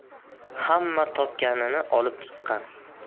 hamma topganini olib chiqqan